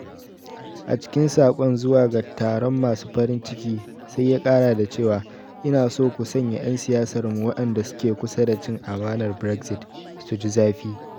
A cikin sakon zuwa ga taron masu farin ciki sai ya kara da cewa: 'Ina so ku sanya' yan siyasarmu, waɗanda suke kusa da cin amanar Brexit, su ji zafi.